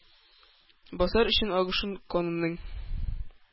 Басар өчен агышын канымның.